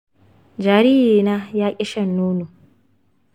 jariri na yaki shan nono